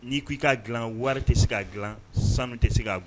N'i ko i k'i k'a dilan wari tɛ se k'a'dilan sanu tɛ se k'a